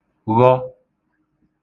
ghọ